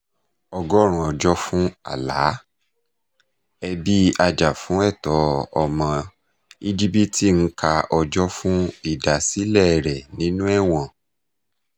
100 ọjọ́ fún Alaa: Ẹbí ajàfúnẹ̀tọ́ ọmọ Íjípìtì ń ka ọjọ́ fún ìdásílẹ̀ẹ rẹ̀ nínú ẹ̀wọ̀n